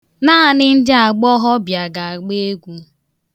Naanị ndị agbọghọbịa ga-agba egwu.